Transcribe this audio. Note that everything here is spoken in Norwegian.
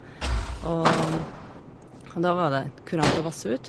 og Og da var det kurant å vasse ut.